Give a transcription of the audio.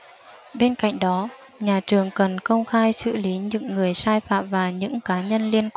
bên cạnh đó nhà trường cần công khai xử lý những người sai phạm và những cá nhân liên